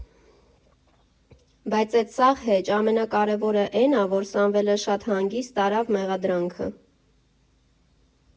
Բայց էդ սաղ հեչ, ամենակարևորը էն ա, որ Սամվելը շատ հանգիստ տարավ մեղադրանքը։